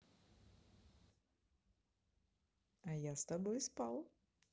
а я с тобой спал